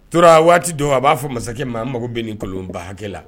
Tora waati dɔ a b'a fɔ masakɛ ma mago bɛ ni kolon ba hakɛ la